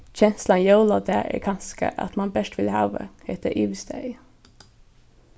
kenslan jóladag er kanska at mann bert vil hava hetta yvirstaðið